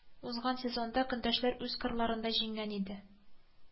Узган сезонда көндәшләр үз кырларында җиңгән иде